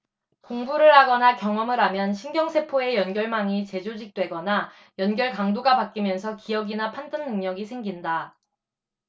공부를 하거나 경험을 하면 신경세포의 연결망이 재조직되거나 연결 강도가 바뀌면서 기억이나 판단 능력이 생긴다